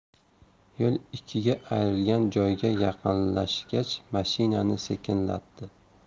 yo'l ikkiga ayrilgan joyga yaqinlashgach mashinani sekinlatdi